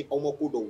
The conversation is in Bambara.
Aw ma ko don